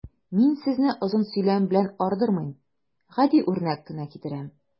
Мин сезне озын сөйләм белән ардырмыйм, гади үрнәк кенә китерәм.